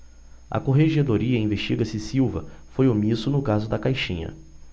a corregedoria investiga se silva foi omisso no caso da caixinha